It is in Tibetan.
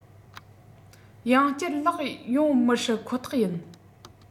ཡང བསྐྱར ལོག ཡོང མི སྲིད ཁོ ཐག ཡིན